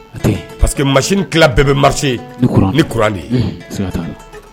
Pa que mas ni tila bɛɛ bɛ ma ni kuran